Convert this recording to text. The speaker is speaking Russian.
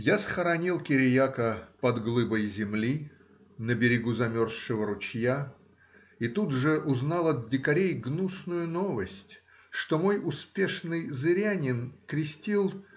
Я схоронил Кириака под глыбой земли на берегу замерзшего ручья и тут же узнал от дикарей гнусную новость, что мой успешный зырянин крестил.